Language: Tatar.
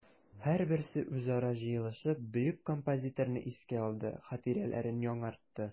Һәрберсе үзара җыелышып бөек композиторны искә алды, хатирәләрен яңартты.